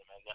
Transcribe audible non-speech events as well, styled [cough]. [hesitation] [hesitation]